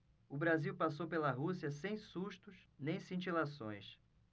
o brasil passou pela rússia sem sustos nem cintilações